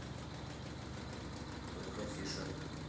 только афиша